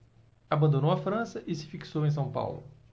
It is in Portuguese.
abandonou a frança e se fixou em são paulo